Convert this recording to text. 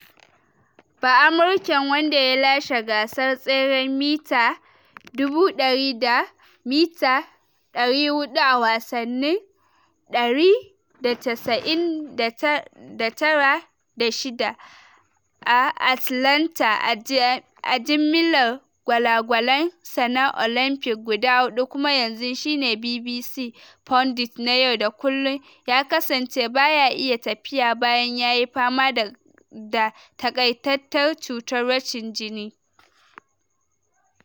Ba’amurken, wanda ya lashe gasar tseren mita 200 da mita 400 a wasannin 1996 a Atlanta a jimillar gwalagwalan sa na Olympic guda hudu kuma yanzu shi ne BBC pundit na yau da kullun, ya kasance baya iya tafiya bayan yayi fama da takaitattar cutar rashin jini.